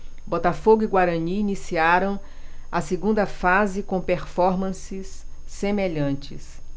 botafogo e guarani iniciaram a segunda fase com performances semelhantes